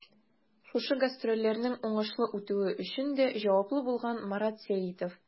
Шушы гастрольләрнең уңышлы үтүе өчен дә җаваплы булган Марат Сәитов.